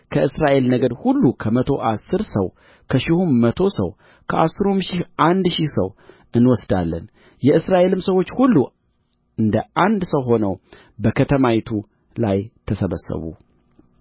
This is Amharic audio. ከእስራኤል ነገድ ሁሉ ከመቶው አሥር ሰው ከሺሁም መቶ ሰው ከአሥሩም ሺህ አንድ ሺህ ሰው እንወስዳለን የእስራኤልም ሰዎች ሁሉ እንደ አንድ ሰው ሆነው በከተማይቱ ላይ ተሰበሰቡ